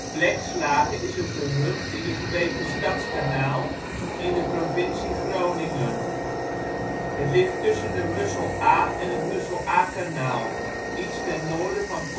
Blekslage is een gehucht in de gemeente Stadskanaal in de provincie Groningen. Het ligt tussen de Mussel-Aa en het Mussel-Aa-kanaal, iets ten noorden van